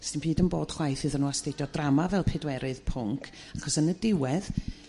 's dim byd yn bod chwaith iddyn nhw astudio drama fel pedwerydd pwnc achos yn yn diwedd